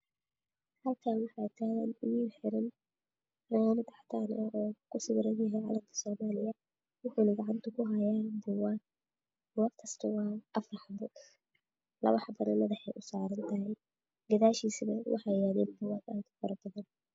Halkaan waxaa nin xiran ku sawiran buukag afar xabo gadaashiiaa waxa yaalo buugaag aad ufaro badaan